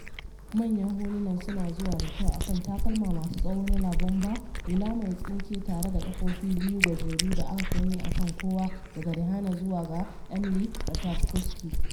Manyan hulunan suna zuwa da kyau a kan takalma masu tsawo na 'La Bomba', hula mai tsinke tare da ƙafofi biyu gajeru da aka gani a kan kowa daga Rihanna zuwa ga Emily Ratajkowski.